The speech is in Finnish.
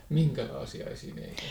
minkälaisia esineitä